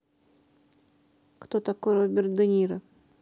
кто такой роберт де ниро